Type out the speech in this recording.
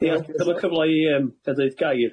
Ia, cyfla cyfla i yym ga'l deud gair.